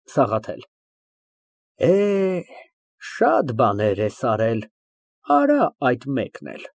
ՍԱՂԱԹԵԼ ֊ (Գալով բեմի առաջ) Էհ, շատ բաներ ես արել, արա այդ մեկն էլ։